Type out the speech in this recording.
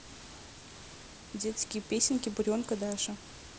детские песенки буренка даша